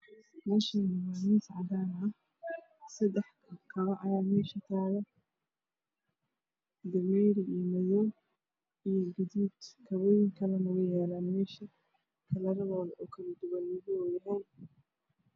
Meeshaan waa miis cadaan ah seddax. kabo ayaa meesha taala dameeri iyo madow iyo gaduud. Kabo kale ayaa meesha yaala. ooo kalarakoodu kala duwanyahay